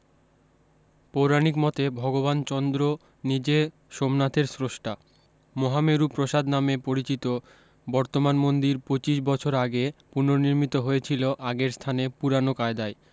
পৌরাণিক মতে ভগবান চন্দ্র নিজে সোমনাথের স্রস্টা মহামেরু প্রসাদ নামে পরিচিত বর্তমান মন্দির পঁচিশ বছর আগে পুননির্মিত হয়েছিলো আগের স্থানে পুরানো কায়দায়